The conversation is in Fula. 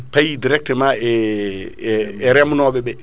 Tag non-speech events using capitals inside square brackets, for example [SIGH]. [NOISE] paayi directement [HESITATION] e e remnoɓeɓe